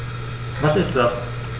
Was ist das?